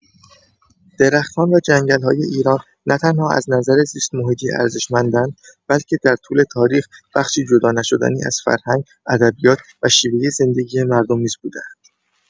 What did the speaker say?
درختان و جنگل‌های ایران نه‌تنها از نظر زیست‌محیطی ارزشمندند، بلکه در طول تاریخ بخشی جدانشدنی از فرهنگ، ادبیات و شیوه زندگی مردم نیز بوده‌اند.